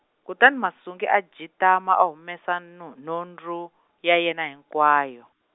kutani Masungi a jitama a humesa nhu- nhundzu, ya yena hinkwayo.